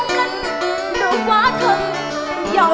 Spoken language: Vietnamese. hóa thân vào